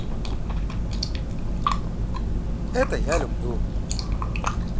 это я люблю